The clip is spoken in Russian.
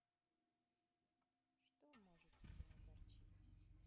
что может тебя огорчить